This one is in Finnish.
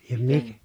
ja -